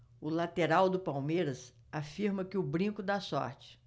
o lateral do palmeiras afirma que o brinco dá sorte